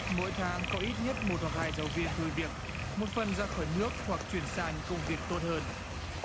mỗi tháng có ít nhất một hoặc hai giáo viên thôi việc một phần ra khỏi nước hoặc chuyển sang những công việc tốt hơn